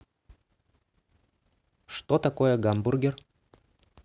что такое гамбургер